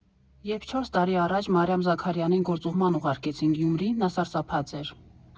Երբ չորս տարի առաջ Մարիամ Զաքարյանին գործուղման ուղարկեցին Գյումրի, նա սարսափած էր։